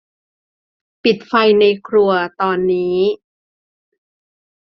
ปิดไฟในครัวตอนนี้